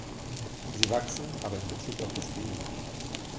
Sie wachsen, aber in bezug auf das BIP.